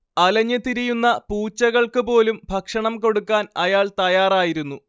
അലഞ്ഞ് തിരിയുന്ന പൂച്ചകൾക്ക് പോലും ഭക്ഷണം കൊടുക്കാൻ അയാള്‍ തയ്യാറായിരുന്നു